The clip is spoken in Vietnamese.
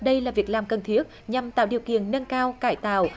đây là việc làm cần thiết nhằm tạo điều kiện nâng cao cải tạo